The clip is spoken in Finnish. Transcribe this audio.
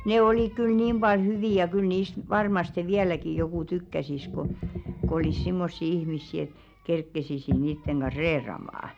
ne oli kyllä niin paljon hyviä ja kyllä niistä varmasti vieläkin joku tykkäisi kun kun olisi semmoisia ihmisiä että kerkeisi niiden kanssa reilaamaan